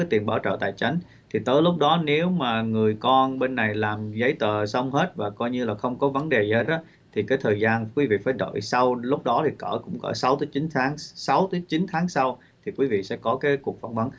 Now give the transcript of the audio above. tiền bảo trợ tài chánh thì tới lúc đó nếu mà người con bên này làm giấy tờ xong hết và coi như là không có vấn đề gì hết á thì cái thời gian quý vị phải đợi sau lúc đó thì cỡ cỡ sáu tới chín tháng sáu tới chín tháng sau thì quý vị sẽ có cái cuộc phỏng vấn